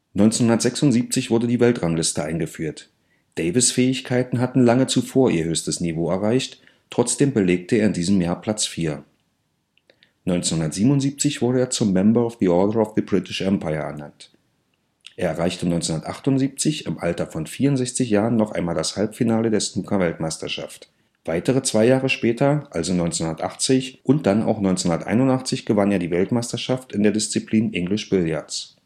1976 wurde die Weltrangliste eingeführt. Davis ' Fähigkeiten hatten lange zuvor ihr höchstes Niveau erreicht, doch trotzdem belegte er in diesem Jahr Platz 4. 1977 wurde er zum Member of the Order of the British Empire ernannt. Er erreichte 1978 im Alter von 64 Jahren noch einmal das Halbfinale der Snookerweltmeisterschaft. Weitere zwei Jahre später (1980 und dann auch 1981) gewann er die Weltmeisterschaft in der Disziplin English Billiards